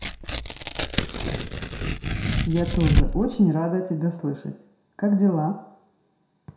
я тоже очень рада тебя слышать как дела